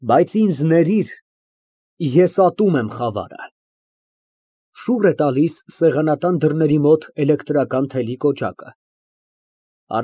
Բայց ինձ ներիր, ես ատում եմ խավարը։ (Շուռ է տալիս սեղանատան դռների մոտ էլեկտրական թելի կոճակը)։